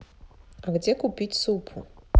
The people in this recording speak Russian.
а где купить супу